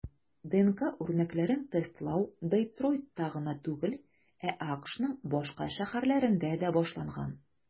ДНК үрнәкләрен тестлау Детройтта гына түгел, ә АКШның башка шәһәрләрендә дә башланган.